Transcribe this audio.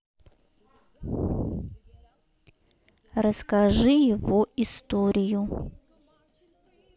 расскажи его историю